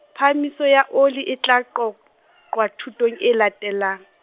phahamiso ya oli e tla qoqwa thutong e latelang.